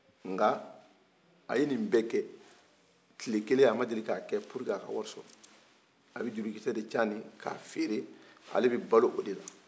nka a ye ni bɛkɛ tile kelen a ma deli k'a kɛ pour que a ka wari sɔrɔ a be jurukisɛ caani k'a feere ale debebalo ola